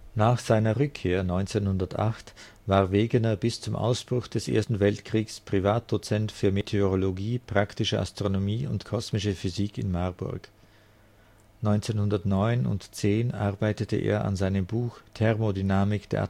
Nach seiner Rückkehr 1908 war Wegener bis zum Ausbruch des Ersten Weltkriegs Privatdozent für Meteorologie, praktische Astronomie und kosmische Physik in Marburg. 1909 / 10 arbeitete er an seinem Buch Thermodynamik der